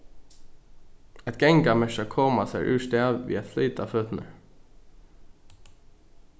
at ganga merkir at koma sær úr stað við at flyta føturnar